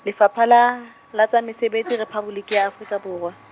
Lefapha la, la tsa Mesebetsi Rephaboliki ya, Afrika Borwa.